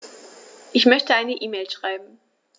Ich möchte eine E-Mail schreiben.